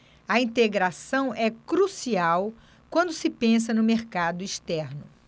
a integração é crucial quando se pensa no mercado externo